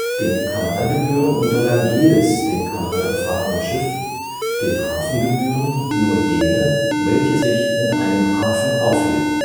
Den Kanalgebühren unterlag jedes den Kanal befahrende Schiff, den Hafengebühren nur jene, welche sich in einem Hafen aufhielten